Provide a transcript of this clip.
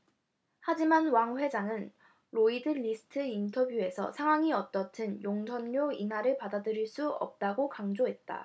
하지만 왕 회장은 로이드리스트 인터뷰에서 상황이 어떻든 용선료 인하를 받아들일 수 없다고 강조했다